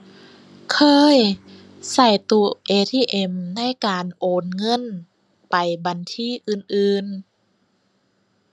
เคย ใช้ตู้ ATM ในการโอนเงินไปบัญชีอื่นอื่น